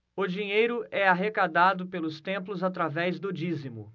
o dinheiro é arrecadado pelos templos através do dízimo